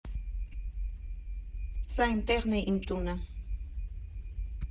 Սա իմ տեղն է, իմ տունը։